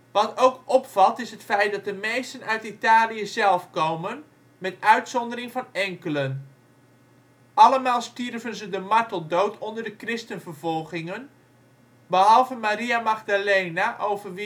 Wat ook opvalt is het feit dat de meesten uit Italië zelf komen, met uitzondering van enkelen. Allemaal stierven ze de marteldood onder de christenvervolgingen, behalve Maria Magdalena over